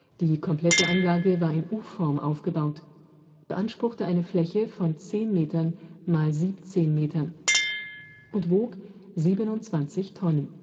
Die komplette Anlage war in U-Form aufgebaut, beanspruchte eine Fläche von 10 m × 17 m und wog 27 Tonnen